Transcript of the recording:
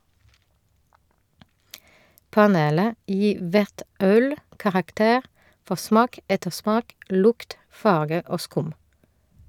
Panelet gir hvert øl karakter for smak, ettersmak, lukt , farge og skum.